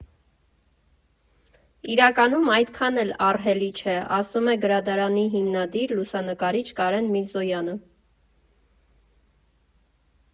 «Իրականում, այդքան էլ ահռելի չէ», ֊ ասում է Գրադարանի հիմնադիր, լուսանկարիչ Կարեն Միրզոյանը։